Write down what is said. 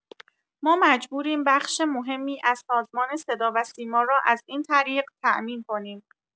ما مجبوریم بخش مهمی از سازمان صداوسیما را از این طریق تامین کنیم.